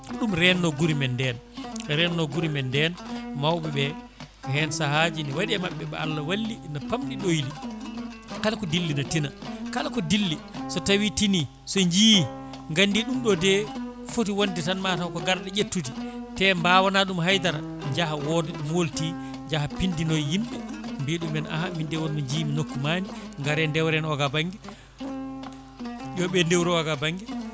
ɗum renno guure men nden renno guure men nden mawɓeɓe he saahaji ne waɗe mabɓe ɓe Allah walli ne pamɗi ɗoyli kala ko dilli ne tiina kala ko dilli so tawi tiini so yii gandi ɗum ɗo de footi wonde tan mataw ko garɗo ƴettude te mbawana ɗum haydara jaaha wooda ɗo molti jaaha pindinoya yimɓe mbiya ɗumen ahan min de wonmo jiimi nokku maani gaare dewren oga banggue yo ɓe dewru o gua banggue